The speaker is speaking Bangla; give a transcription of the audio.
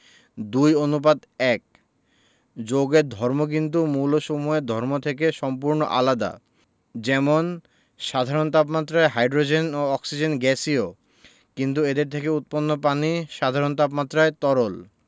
২ অনুপাত ১যৌগের ধর্ম কিন্তু মৌলসমূহের ধর্ম থেকে সম্পূর্ণ আলাদা যেমন সাধারণ তাপমাত্রায় হাইড্রোজেন ও অক্সিজেন গ্যাসীয় কিন্তু এদের থেকে উৎপন্ন যৌগ পানি সাধারণ তাপমাত্রায় তরল